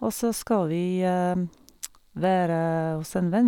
Og så skal vi være hos en venn.